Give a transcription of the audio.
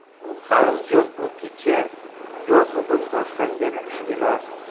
halimjon bu kecha yo bugun boshlangan ish emas